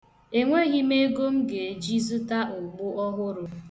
Enweghị m ego m ga-eji zụta ụgbụ ọhụrụ.